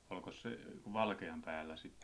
olikos se valkean päällä sitten